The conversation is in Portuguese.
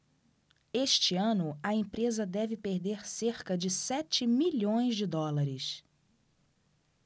este ano a empresa deve perder cerca de sete milhões de dólares